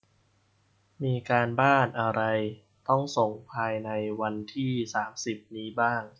มีการบ้านอะไรต้องส่งภายในวันที่สามสิบนี้บ้าง